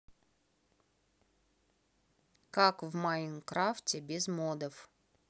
как в майнкрафте без модов